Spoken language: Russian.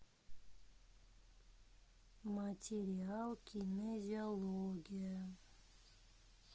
материал кинезиология